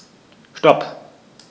Stop.